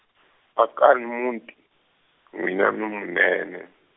akani muti wa n'wina ni munene.